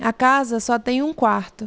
a casa só tem um quarto